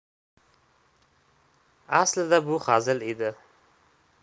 aslida bu hazil edi